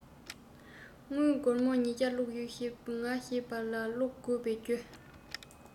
དངུལ སྒོར མོ ཉི བརྒྱ བླུག ཡོད ཞེས ང ཞེས པ ལས བླུག དགོས པའི རྒྱུ